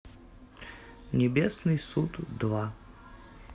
небесный суд два